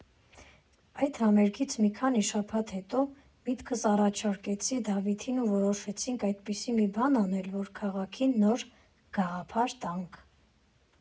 Այդ համերգից մի քանի շաբաթ հետո միտքս առաջարկեցի Դավիթին ու որոշեցինք այպիսի մի բան անել, որ քաղաքին նոր գաղափար տանք։